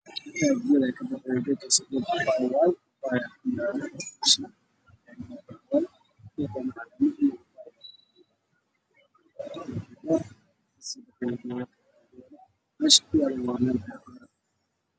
Waa baabaay baxaayo geed cagaar